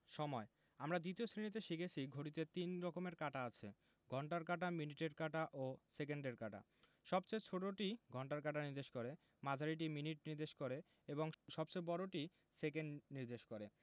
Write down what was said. সময়ঃ আমরা ২য় শ্রেণিতে শিখেছি ঘড়িতে ৩ রকমের কাঁটা আছে ঘণ্টার কাঁটা মিনিটের কাঁটা ও সেকেন্ডের কাঁটা সবচেয়ে ছোটটি ঘন্টা নির্দেশ করে মাঝারিটি মিনিট নির্দেশ করে এবং সবচেয়ে বড়টি সেকেন্ড নির্দেশ করে